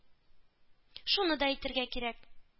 Шуны да әйтергә кирәк: